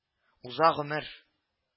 Уза гомер